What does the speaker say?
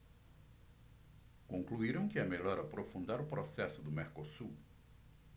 concluíram que é melhor aprofundar o processo do mercosul